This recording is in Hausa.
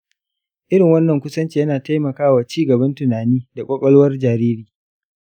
irin wannan kusanci yana taimakawa ci gaban tunani da ƙwaƙwalwar jariri.